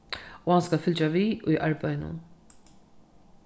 og hann skal fylgja við í arbeiðinum